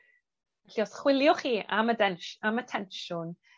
Felly os chwiliwch chi am y densh- am y tensiwn